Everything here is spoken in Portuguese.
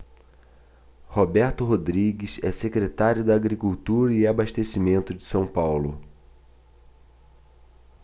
roberto rodrigues é secretário da agricultura e abastecimento de são paulo